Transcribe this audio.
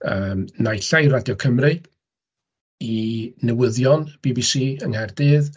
Yym, naill ai i Radio Cymru, i newyddion y BBC yng Nghaerdydd.